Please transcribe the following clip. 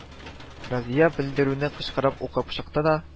Разия белдерүне кычкырып укып чыкты да: